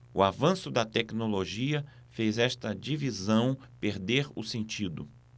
o avanço da tecnologia fez esta divisão perder o sentido